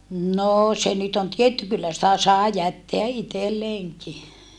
no se nyt on tietty kyllä sitä sai jättää itselleenkin